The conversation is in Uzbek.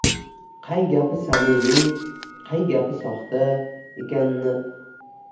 qay gapi samimiy qay gapi soxta ekanini